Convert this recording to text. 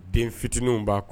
Den fitininw b'a